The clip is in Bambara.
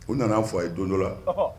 U nana fɔ a ye don dɔ la